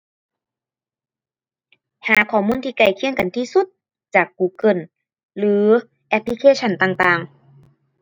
หาข้อมูลที่ใกล้เคียงกันที่สุดจาก Google หรือแอปพลิเคชันต่างต่าง